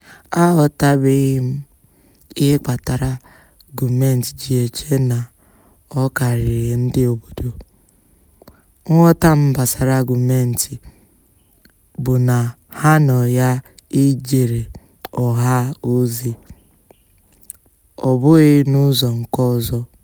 Aghọtabeghị m ihe kpatara gọọmentị ji eche na ọ karịrị ndị obodo, nghọta m gbasara gọọmentị bụ na ha nọ ya ị jere ọha ozi, ọ bụghị n'ụzọ nke ọzọ.